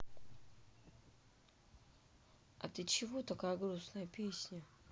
а ты чего такая грустная песня